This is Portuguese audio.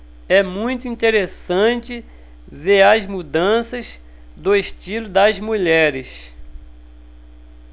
é muito interessante ver as mudanças do estilo das mulheres